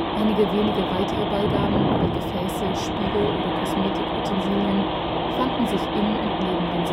Einige wenige weitere Beigaben, wie Gefäße, Spiegel oder Kosmetikutensilien, fanden sich in und neben den Särgen